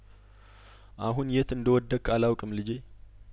አሁን የት እንደወደክ አላውቅም ልጄ